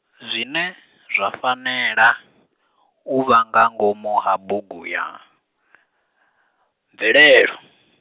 zwine, zwa fanela, u vha nga ngomu ha bugu ya, bvelela.